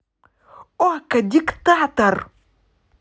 okko диктатор